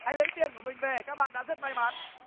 hãy lấy tiền của mình về các bạn đã rất may mắn